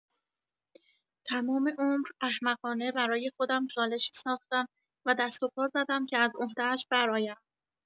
تمام عمر، احمقانه برای خودم چالشی ساختم و دست و پا زدم که از عهده‌اش برآیم.